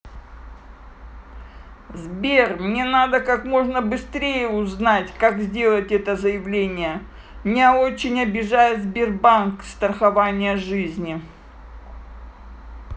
сбер мне надо как можно быстрее узнать как сделать это заявление мне очень обижает сбербанк страхование жизни